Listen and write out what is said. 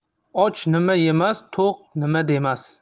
och nima yemas to'q nima demas